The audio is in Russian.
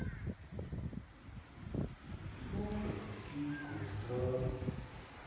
слушать российскую эстраду